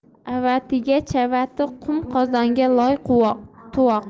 avatiga chavati qum qozonga loy tuvoq